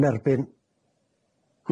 Yn erbyn.